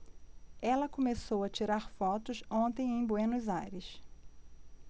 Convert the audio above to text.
ela começou a tirar fotos ontem em buenos aires